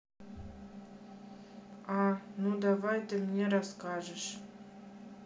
а ну давай ты мне расскажешь